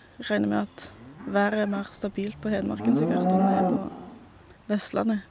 Regner med at været er mer stabilt på Hedmarken, sikkert, enn det er på Vestlandet.